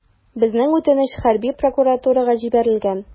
Безнең үтенеч хәрби прокуратурага җибәрелгән.